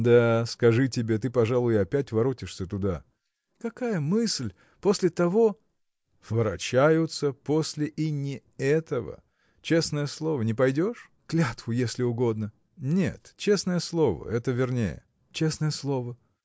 – Да, скажи тебе – ты, пожалуй, и опять воротишься туда. – Какая мысль! после того. – Ворочаются после и не этого! честное слово – не пойдешь? – Клятву, если угодно. – Нет, честное слово: это вернее. – Честное слово.